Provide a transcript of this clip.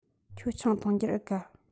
ཁྱོད ཆང འཐུང རྒྱུར འུ དགའ